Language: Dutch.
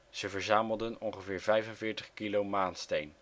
Ze verzamelden ongeveer 45 kilo maansteen